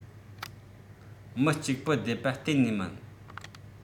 མི གཅིག པུ བསྡད པ གཏན ནས མིན